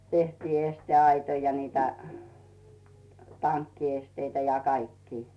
tehtiin esteaitoja ja niitä tankkiesteitä ja kaikkia